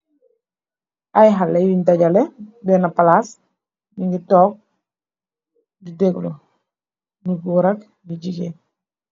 Aye halle young dagele benne palas nougui tok di geglou you gorr ak you jegueen